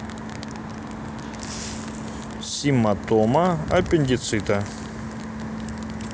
симатома аппендицита